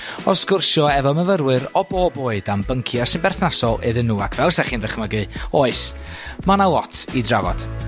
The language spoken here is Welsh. o sgwrsio efo myfyrwyr o bob oed am byncie sy'n berthnasol iddyn nhw ac fel 'sach chi'n ddychmygu, oes, ma' 'na lot i drafod.